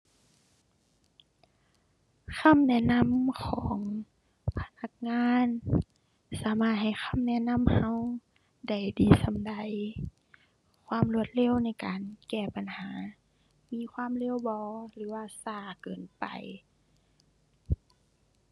คำแนะนำของพนักงาน สามารถให้คำแนะนำเราได้ดีส่ำใด ความรวดเร็วในการแก้ปัญหา มีความเร็วบ่ หรือว่าเราเกินไป